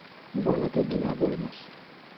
bolada gina bo'lmas